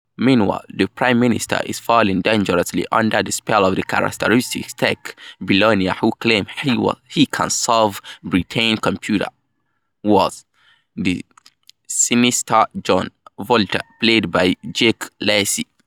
Meanwhile, the prime minister is falling dangerously under the spell of the charismatic tech billionaire who claims he can solve Britain's computer woes: the sinister Jason Volta, played by Jake Lacy.